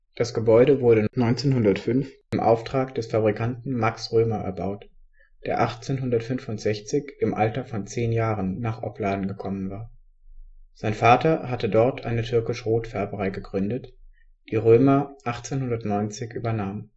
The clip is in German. Das Gebäude wurde 1905 im Auftrag des Fabrikanten Max Römer erbaut, der 1865 im Alter von zehn Jahren nach Opladen gekommen war. Sein Vater hatte dort eine Türkischrotfärberei gegründet, die Römer 1890 übernahm